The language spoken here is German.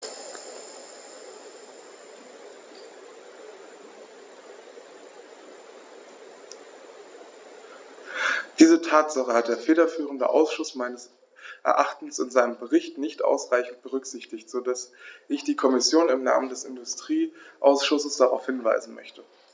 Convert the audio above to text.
Diese Tatsache hat der federführende Ausschuss meines Erachtens in seinem Bericht nicht ausreichend berücksichtigt, so dass ich die Kommission im Namen des Industrieausschusses darauf hinweisen möchte.